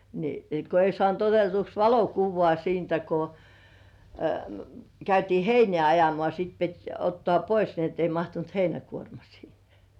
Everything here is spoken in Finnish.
niin kun ei saanut otetuksi valokuvaa siitä kun käytiin heinää ajamaan sitten piti ottaa pois niin että ei mahtunut heinäkuorma siihen